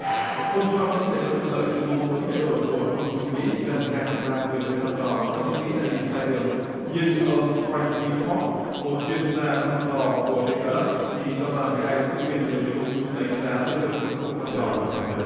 ông trăm có thể có được lợi từ mong muốn thay đổi của công chúng mỹ gần hai phần ba người được thăm dò nói nước mỹ đang đi sai đường nhưng ông phanh nui phót một chuyên gia thăm dò của viện ga lắp thì cho rằng cả hai ứng cử viên đều bị công chúng đánh giá tiêu cực trong các cuộc thăm dò